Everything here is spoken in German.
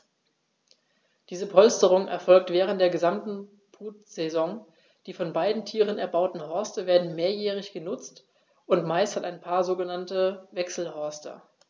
Diese Polsterung erfolgt während der gesamten Brutsaison. Die von beiden Tieren erbauten Horste werden mehrjährig benutzt, und meist hat ein Paar mehrere sogenannte Wechselhorste.